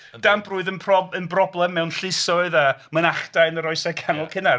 Damprwydd yn pro- yn broblem mewn llysoedd a mynachdai yn yr oesau canol cynnar.